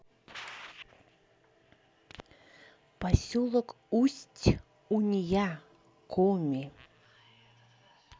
поселок усть унья коми